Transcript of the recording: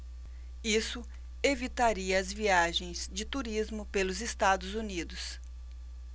isso evitaria as viagens de turismo pelos estados unidos